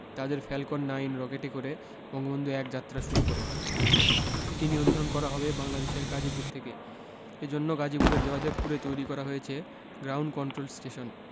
তাদের ফ্যালকন ৯ রকেটে করে বঙ্গবন্ধু ১ যাত্রা শুরু করে এটি নিয়ন্ত্রণ করা হবে বাংলাদেশের গাজীপুর থেকে এ জন্য গাজীপুরের জয়দেবপুরে তৈরি করা হয়েছে গ্রাউন্ড কন্ট্রোল স্টেশন